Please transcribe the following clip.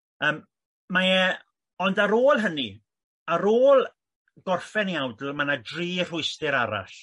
yym mae e... ond ar ôl hynny ar ôl gorffen i awdl ma' 'na dri rhwystr arall